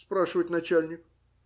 - спрашивает начальник.